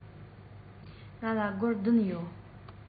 ང ལ སྒོར བདུན ཡོད